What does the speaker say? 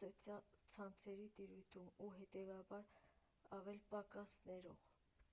սոցցանցերի տիրույթում, ու հետևաբար,«ավել֊պակաս ներող»։